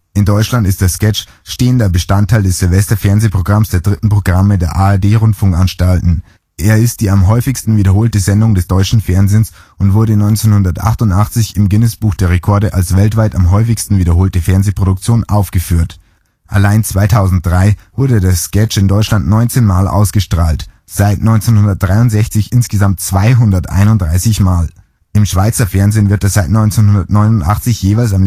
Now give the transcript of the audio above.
In Deutschland ist der Sketch stehender Bestandteil des Silvester-Fernsehprogramms der dritten Programme der ARD-Rundfunkanstalten. Er ist die am häufigsten wiederholte Sendung des deutschen Fernsehens und wurde 1988 im Guinness-Buch der Rekorde als weltweit am häufigsten wiederholte Fernsehproduktion aufgeführt. Allein 2003 wurde der Sketch in Deutschland 19 mal ausgestrahlt, seit 1963 insgesamt 231 mal. Im Schweizer Fernsehen wird er seit 1989 jeweils